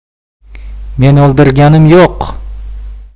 men o'ldirganim yo'q